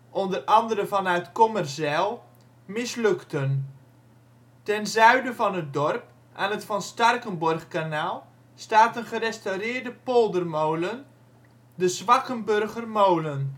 onder andere vanuit Kommerzijl) mislukten. Ten zuiden van het dorp, aan het Van Starkenborghkanaal staat een gerestaureerde poldermolen, de Zwakkenburgermolen